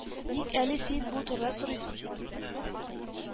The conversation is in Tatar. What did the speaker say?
Ник әле син бу турыда сорыйсың